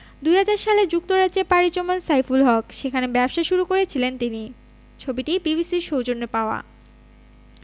২০০০ সালে যুক্তরাজ্যে পাড়ি জমান সাইফুল হক সেখানে ব্যবসা শুরু করেছিলেন তিনি ছবিটি বিবিসির সৌজন্যে পাওয়া